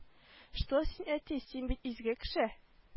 Что син әти син бит изге кеше